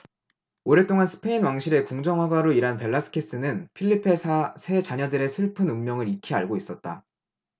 오랫동안 스페인 왕실의 궁정화가로 일한 벨라스케스는 펠리페 사 세 자녀들의 슬픈 운명을 익히 알고 있었다